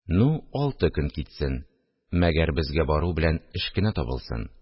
– ну, алты көн китсен, мәгәр безгә бару белән эш кенә табылсын